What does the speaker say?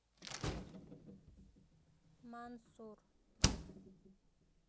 мансур